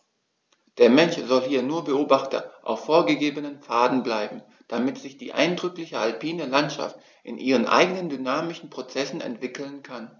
Der Mensch soll hier nur Beobachter auf vorgegebenen Pfaden bleiben, damit sich die eindrückliche alpine Landschaft in ihren eigenen dynamischen Prozessen entwickeln kann.